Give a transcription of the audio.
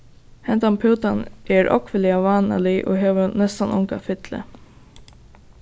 hendan pútan er ógvuliga vánalig og hevur næstan onga fyllu